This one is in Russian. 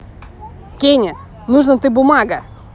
kanye нужно ты бумага